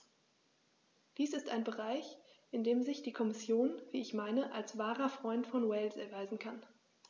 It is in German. Dies ist ein Bereich, in dem sich die Kommission, wie ich meine, als wahrer Freund von Wales erweisen kann.